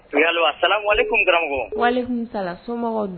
' a sa wale kun dɔrɔnkɔrɔ wale so